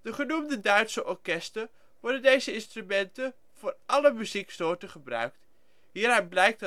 genoemde Duitse orkesten worden deze instrumenten voor alle muzieksoorten gebruikt. Hieruit blijkt